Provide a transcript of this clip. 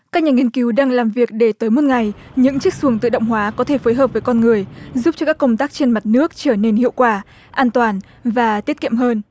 các nhà nghiên cứu đang làm việc để tới một ngày những chiếc xuồng tự động hóa có thể phối hợp với con người giúp cho các công tác trên mặt nước trở nên hiệu quả an toàn và tiết kiệm hơn